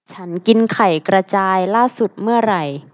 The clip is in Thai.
ฉันกินไข่กระจายล่าสุดเมื่อไหร่